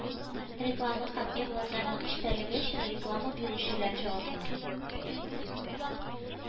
Реклама һәм игъланнарның эчтәлеге өчен реклама бирүчеләр җаваплы